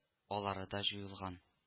Алары да җуелган